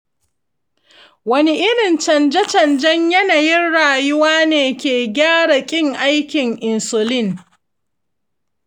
wani irin canje canjen yanayin rayuwa ne ke gyara ƙin aikin insulin?